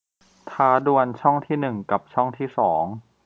ท้าดวลช่องที่หนึ่งกับช่องที่สอง